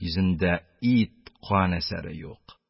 Йөзендә ит, кан әсәре юк.